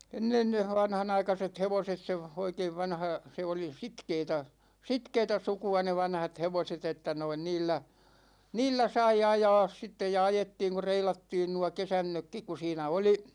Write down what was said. ennen ne vanhanaikaiset hevoset se oikein vanha se oli sitkeätä sitkeätä sukua ne vanhat hevoset että noin niillä niillä sai ajaa sitten ja ajettiin kun reilattiin nuo kesannotkin kun siinä oli